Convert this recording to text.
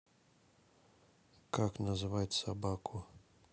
как назвать собаку